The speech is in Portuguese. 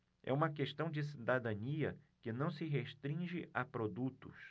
é uma questão de cidadania que não se restringe a produtos